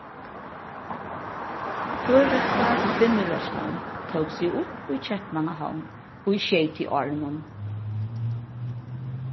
føroyska kvinnurørslan tók seg upp í keypmannahavn í sjeytiárunum